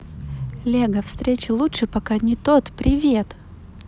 lego встречи лучше пока не тот привет